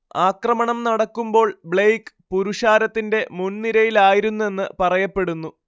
ആക്രമണം നടക്കുമ്പോൾ ബ്ലെയ്ക്ക് പുരുഷാരത്തിന്റെ മുൻനിരയിലായിരുന്നെന്ന് പറയപ്പെടുന്നു